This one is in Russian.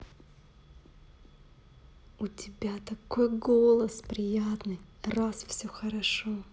у тебя такой голос приятный раз все хорошо